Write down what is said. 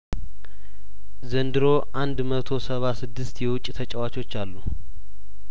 ዘንድሮ አንድ መቶ ሰባ ስድስት የውጪ ተጫዋቾች አሉ